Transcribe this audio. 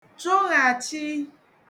chụghàchi